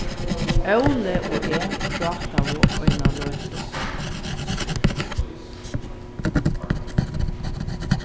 óli og eg prátaðu eina løtu